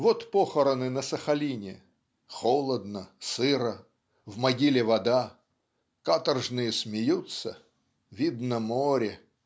Вот похороны на Сахалине: "холодно, сыро в могиле вода каторжные смеются видно море".